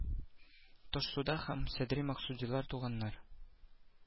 Ташсуда Һади һәм Садри Максудилар туганнар